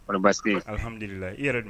Kɔrɔ basise i